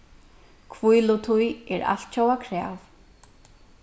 hvílutíð er altjóða krav